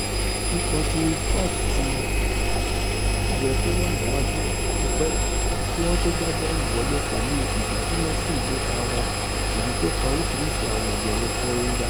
Ìkọ ti Holt yẹ kóti wà níwájú tipẹ́ kí wọ́n tó gbá bọ́ọ̀lù wọlé, pẹ̀lú ìgbájúmọ́ sí ìlépa wọn èyití ó fa oŕiṣiriṣi àwọn ìyọnu fún Rangers.